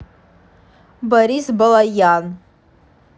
борис балаян